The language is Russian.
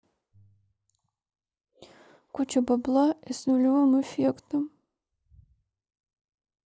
куча бабла и с нулевым эффектом